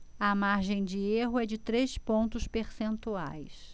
a margem de erro é de três pontos percentuais